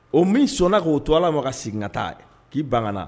O min sɔnna k'o to ala ma ka segin sigi ka taa k'i banana